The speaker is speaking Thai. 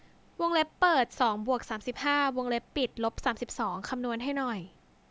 วงเล็บเปิดสองบวกสามสิบห้าวงเล็บปิดลบสามสิบสองคำนวณให้หน่อย